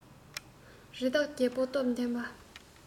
རི དྭགས རྒྱལ པོ སྟོབས ལྡན པ